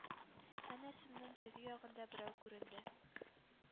Әнә Сөннең теге ягында берәү күренде.